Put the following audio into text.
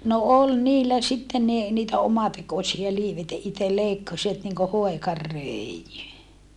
no oli niillä sitten niin niitä omatekoisia - että itse leikkasivat niin kuin hoikan röijyn